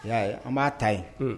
Y'a an b'a ta ye